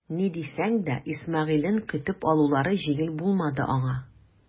Ни дисәң дә Исмәгыйлен көтеп алулары җиңел булмады аңа.